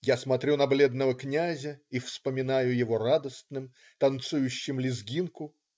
Я смотрю на бледного князя и вспоминаю его радостным, танцующим лезгинку.